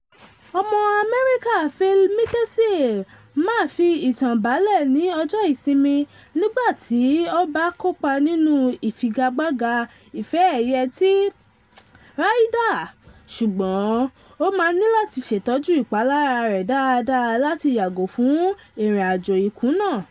Ọmọ Amẹ́ríkà Phil Mickelson máa fi ìtan balẹ̀ ní ọjọ́ Ìsinmi nígbà tí ó bá kópa nínú ìfigagbága ife ẹ̀yẹ ti 47th Ryder, ṣùgbọ́n ó máa níláti ṣètọ́jú ìpalára rẹ̀ dáadáa láti yàgò fún ìrìnàjò ìkùnà.